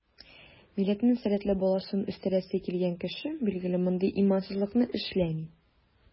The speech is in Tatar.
Милләтнең сәләтле баласын үстерәсе килгән кеше, билгеле, мондый имансызлыкны эшләми.